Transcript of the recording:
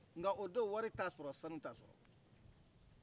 nka o don wari t'a sɔrɔ sanu t'a sɔrɔ